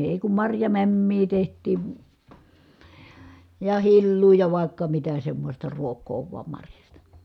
ei kun marjamämmiä tehtiin ja hilloa ja vaikka mitä semmoista ruokaa vain marjasta